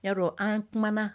Y ya'a dɔn an k